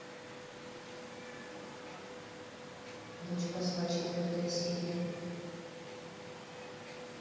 дочь посла четвертая серия